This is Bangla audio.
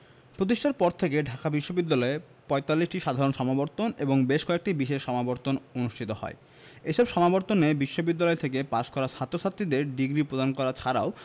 প্রতিষ্ঠার পর থেকে ঢাকা বিশ্ববিদ্যালয়ে ৪৫টি সাধারণ সমাবর্তন এবং বেশ কয়েকটি বিশেষ সমাবর্তন অনুষ্ঠিত হয় এসব সমাবর্তনে বিশ্ববিদ্যালয় থেকে পাশ করা ছাত্রছাত্রীদের ডিগ্রি প্রদান করা ছাড়াও